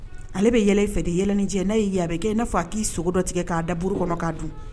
Ale bɛ yɛlɛ fɛ de yɛlɛni cɛ n'a ye yaa bɛ kɛ n'a fɔ a k'i sogo dɔ tigɛ k'a da buru kɔnɔ kaa dun